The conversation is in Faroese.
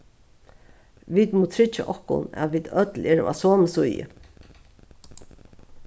vit mugu tryggja okkum at vit øll eru á somu síðu